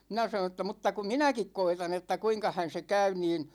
minä sanoin että mutta kun minäkin koetan että kuinkahan se käy niin